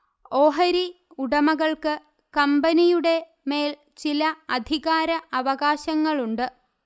ഓഹരി ഉടമകൾക്ക് കമ്പനിയുടെ മേൽ ചില അധികാരഅവകാശങ്ങളുണ്ട്